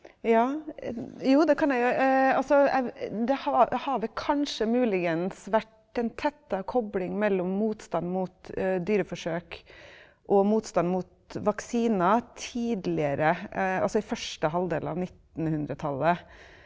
ja jo det kan jeg gjøre, altså jeg det har har vel kanskje muligens vært en tettere kobling mellom motstand mot dyreforsøk og motstand mot vaksiner tidligere, altså i første halvdel av nittenhundretallet.